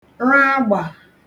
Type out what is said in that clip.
ragbà